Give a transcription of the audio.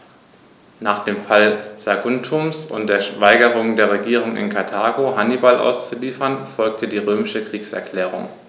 Nach dem Fall Saguntums und der Weigerung der Regierung in Karthago, Hannibal auszuliefern, folgte die römische Kriegserklärung.